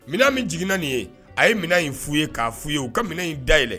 Minɛn min jiginna nin ye a ye minɛn in f'u ye k'a fɔu ye u ka minɛn in dayɛlɛn